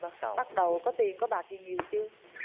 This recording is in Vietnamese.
bắt đầu có tiền có bạc gì nhiều chưa